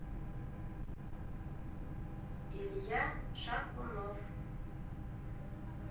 илья шакунов